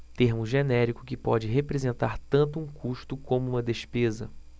termo genérico que pode representar tanto um custo como uma despesa